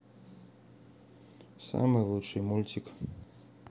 самый лучший мультик